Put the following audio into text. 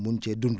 mun cee dund